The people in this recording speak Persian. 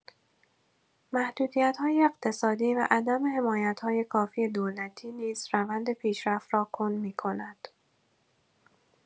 محدودیت‌های اقتصادی و عدم حمایت‌های کافی دولتی نیز روند پیشرفت را کند می‌کند.